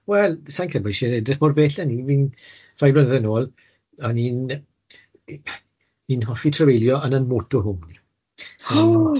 Wel, sa i'n credu bod isie edrych mor bell a 'ny, fi'n rhai flynedde'n ôl, o'n i'n ni'n hoffi trafeilio yn y motorhome.